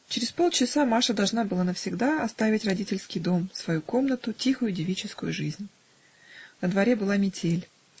Через полчаса Маша должна была навсегда оставить родительский дом, свою комнату, тихую девическую жизнь. На дворе была метель